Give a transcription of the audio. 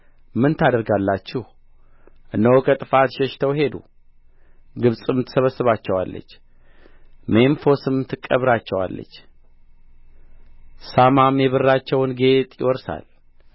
ምን ታደርጋላችሁ እነሆ ከጥፋት ሸሽተው ሄዱ ግብጽም ትሰበስባቸዋለች ሜምፎስም ትቀብራቸዋለች ሳማም የብራቸውን ጌጥ ይወርሳል